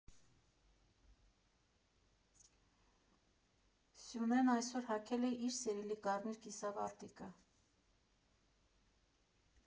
Սյունեն այսօր հագել է իր սիրելի կարմիր կիսավարտիքը։